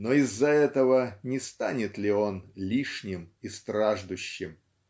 но из-за этого не станет ли он лишним и страждущим?